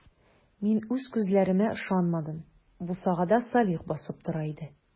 Мин үз күзләремә ышанмадым - бусагада Салих басып тора иде.